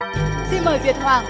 xin mời việt hoàng